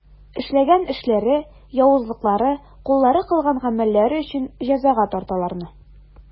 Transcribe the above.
Эшләгән эшләре, явызлыклары, куллары кылган гамәлләре өчен җәзага тарт аларны.